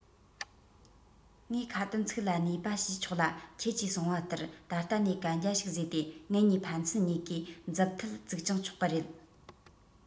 ངས ཁ དན ཚིག ལ གནས པ ཞུས ཆོག ལ ཁྱེད ཀྱིས གསུང པ ལྟར ད ལྟ ནས གན རྒྱ ཞིག བཟོས ཏེ ངེད གཉིས ཕན ཚུན གཉིས ཀའི མཛུབ ཐེལ བཙུགས ཀྱང ཆོག གི རེད